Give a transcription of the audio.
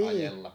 ajella